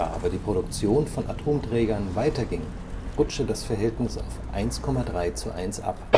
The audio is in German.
aber die Produktion von Atomträgern weiterging, rutschte das Verhältnis auf 1,3:1 ab